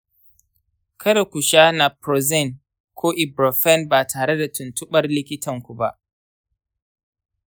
kada ku sha naproxen ko ibuprofen ba tare da tuntuɓar likitan ku ba.